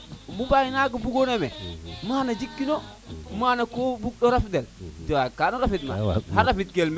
mbumbaay naga bugona mene mana jeg kino mana ko bug fo raf del to waag kano rafid ma xa rafid kel me